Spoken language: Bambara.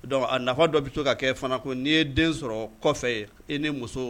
Don nafa dɔ bɛ to ka kɛ fana ko'i ye den sɔrɔ kɔfɛ ye i ni muso